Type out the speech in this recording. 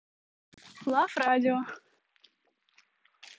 love radio